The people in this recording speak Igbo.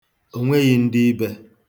O nweghị ndị ibe.